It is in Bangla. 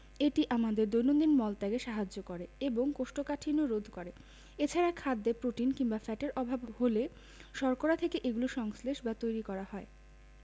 এটি আমাদের দৈনন্দিন মল ত্যাগে সাহায্য করে এবং কোষ্ঠকাঠিন্য রোধ করে এছাড়া খাদ্যে প্রোটিন কিংবা ফ্যাটের অভাব হলে শর্করা থেকে এগুলো সংশ্লেষ বা তৈরী করা হয়